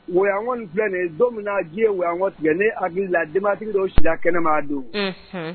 Wyan kɔni filɛnen don min diɲɛ wyan tigɛ ne a bɛ la dentigi dɔ siya kɛnɛma don